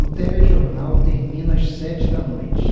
o telejornal termina às sete da noite